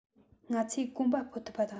ང ཚོས གོམ པ སྤོ ཐུབ པ དང